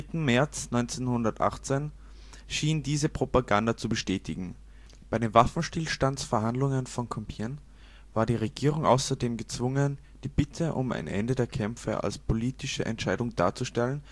im Friedensdiktat von Brest-Litowsk am 3. März 1918 schien diese Propaganda zu bestätigen. Bei den Waffenstillstandsverhandlungen von Compiègne war die Regierung außerdem gezwungen, die Bitte um ein Ende der Kämpfe als politische Entscheidung darzustellen